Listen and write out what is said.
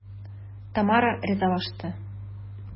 Тамара ризалашты.